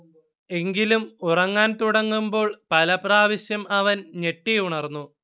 എങ്കിലും ഉറങ്ങാൻ തുടങ്ങുമ്പോൾ പല പ്രാവശ്യം അവൻ ഞെട്ടി ഉണർന്നു